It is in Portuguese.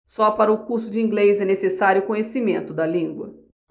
só para o curso de inglês é necessário conhecimento da língua